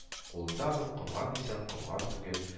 Кулында аның, комган дисәң, комган түгел